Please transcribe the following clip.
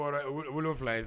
N bɔra wolo wolonwula ye